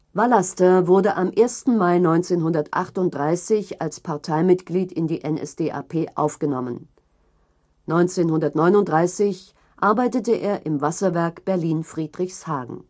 Vallaster wurde am 1. Mai 1938 als Parteimitglied in die NSDAP aufgenommen. 1939 arbeitete er im Wasserwerk Berlin-Friedrichshagen